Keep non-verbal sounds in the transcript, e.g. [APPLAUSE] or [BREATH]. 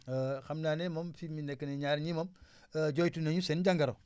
[HESITATION] xam naa ne moom fi mu nekk nii ñaar ñii moom [BREATH] [HESITATION] jooytu na ñu seen jangoro